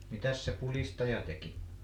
mitäs se pudistaja teki